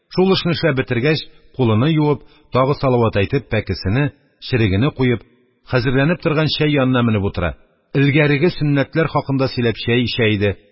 Шул эшене эшләп бетергәч, кулыны юып, тагы салават әйтеп, пәкесене, черегене куеп, хәзерләнеп торган чәй янына менеп утыра, элгәреге сөннәтләр хакында сөйләп, чәй эчә иде.